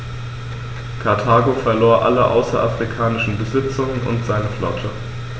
Karthago verlor alle außerafrikanischen Besitzungen und seine Flotte.